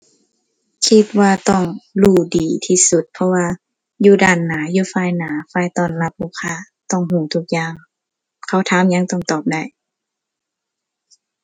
คิดว่าต้องรู้ดีที่สุด เพราะว่าอยู่ด้านหน้า อยู่ฝ่ายหน้า ฝ่ายต้อนรับลูกค้า ต้องรู้ทุกอย่าง เขาถามหยังต้องตอบได้